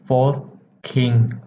โฟธคิง